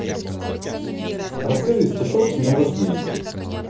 расскажи стишок с днем рождения